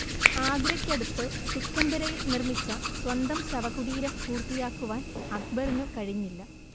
ആഗ്രക്കടുത്ത് സിക്കന്ദരയിൽ നിർമിച്ച സ്വന്തം ശവകുടീരം പൂർത്തിയാക്കുവാൻ അക്ബറിനു കഴിഞ്ഞില്ല